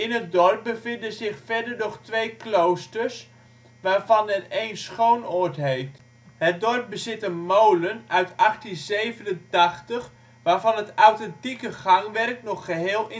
het dorp bevinden zich verder nog twee kloosters, waarvan er één Schoonoord heet. Het dorp bezit een molen uit 1887 waarvan het authentieke gangwerk nog geheel